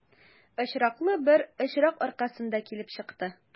Очраклы бер очрак аркасында килеп чыкты.